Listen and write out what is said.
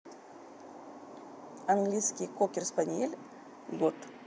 английский кокер спаниель год